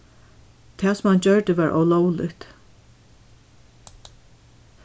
tað sum hann gjørdi var ólógligt